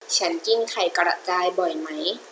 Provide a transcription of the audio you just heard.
ฉันกินไข่กระจายบ่อยไหม